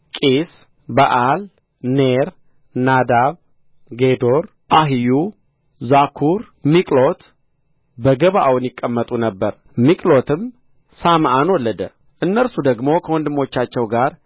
ቂስ በኣል ኔር ናዳብ ጌዶር አሒዮ ዛኩር ሚቅሎት በገባኦን ይቀመጡ ነበር ሚቅሎትም ሳምአን ወለደ እነርሱ ደግሞ ከወንድሞቻቸው ጋር